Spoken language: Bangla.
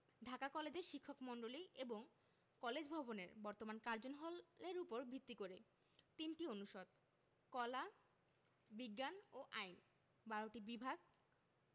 ঢাকা কলেজের শিক্ষকমন্ডলী এবং কলেজ ভবনের বর্তমান কার্জন হল এর উপর ভিত্তি করে ৩টি অনুষদ কলা বিজ্ঞান ও আইন ১২টি বিভাগ